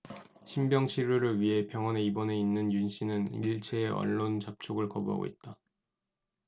신병 치료를 위해 병원에 입원해 있는 윤씨는 일체의 언론 접촉을 거부하고 있다